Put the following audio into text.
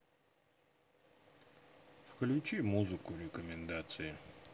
включи музыку рекомендации